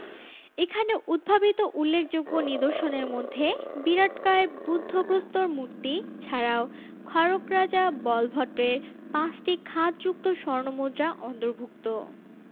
এখানে উদ্ভাবিত উল্লেখযোগ্য নিদর্শনের মধ্যে বিরাটকায় বুদ্ধ প্রস্তর মুর্তি ছাড়াও খড়গ রাজা বলভট্ট এর পাঁচটি খাদযুক্ত স্বর্ণমুদ্রা অন্তর্ভুক্ত